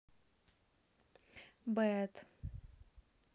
beat